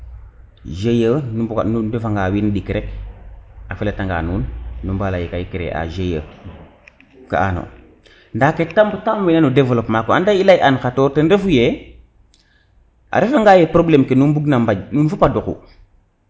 GIE nu ndefa nga wiin ndik rek a fela tanga nuun nu mba leye ka i créer a GIE ga ano nda ke tam wena no developpement koy ande i ley an xatoor ten refu ye a refa ngaye probleme ke nu mbug na mbaƴ fopa duku